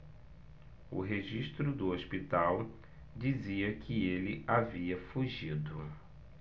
o registro do hospital dizia que ele havia fugido